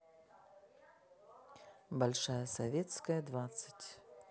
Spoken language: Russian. большая советская двадцать